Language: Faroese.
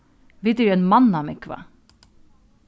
vit eru ein mannamúgva